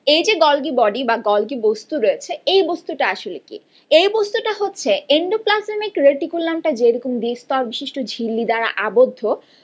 এই যে Golgi body বা গলগী বস্তু এ বস্তু টা আসলে কি এ বছরে হচ্ছে এন্ডোপ্লাজমিক রেটিকুলামটা যেরকম দ্বিস্তর বিশিষ্ট ঝিল্লি দ্বারা আবদ্ধ